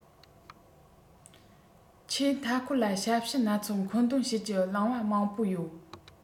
ཁྱེད མཐའ འཁོར ལ ཞབས ཞུ སྣ ཚོགས མཁོ འདོན བྱེད ཀྱི བླངས པ མང པོ ཡོད